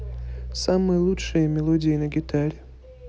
самые лучшие мелодии на гитаре